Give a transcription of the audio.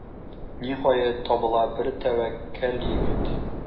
Ниһаять, табыла бер тәвәккәл егет.